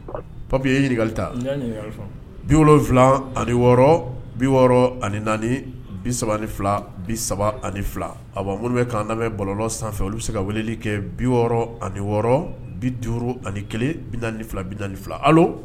Papi e ɲininkakali ta bi ani wɔɔrɔ bi wɔɔrɔ ani bi ni fila bi ani a minnu bɛ kan lamɛn bɔlɔ sanfɛ olu bɛ se ka weele kɛ bi wɔɔrɔ ani wɔɔrɔ bi duuru ani kelen bi fila biani fila